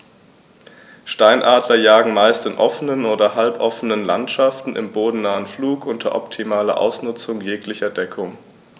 Steinadler jagen meist in offenen oder halboffenen Landschaften im bodennahen Flug unter optimaler Ausnutzung jeglicher Deckung.